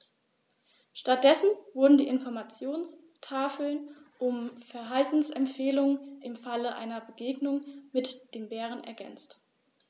Stattdessen wurden die Informationstafeln um Verhaltensempfehlungen im Falle einer Begegnung mit dem Bären ergänzt.